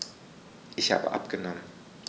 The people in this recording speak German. Ich habe abgenommen.